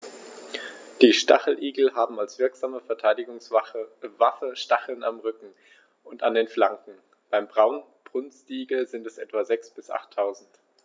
Die Stacheligel haben als wirksame Verteidigungswaffe Stacheln am Rücken und an den Flanken (beim Braunbrustigel sind es etwa sechs- bis achttausend).